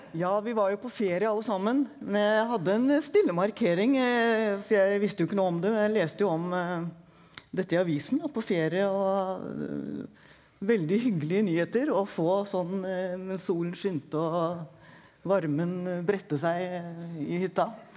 ja vi var jo på ferie alle sammen, men jeg hadde en stille markering for jeg visste jo ikke noe om det og jeg leste jo om dette i avisen var på ferie og veldig hyggelige nyheter å få sånn mens solen skinte og varmen bredte seg i hytta.